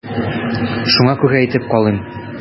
Шуңа күрә әйтеп калыйм.